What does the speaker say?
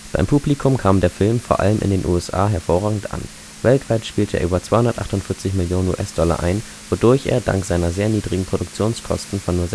Publikum kam der Film vor allem in den USA hervorragend an. Weltweit spielte er über 248 Millionen US-Dollar ein, wodurch er, dank seiner sehr niedrigen Produktionskosten von